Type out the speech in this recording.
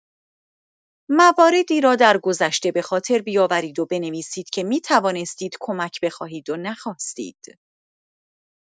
مواردی را درگذشته به‌خاطر بیاورید و بنویسید که می‌توانستید کمک بخواهید و نخواستید.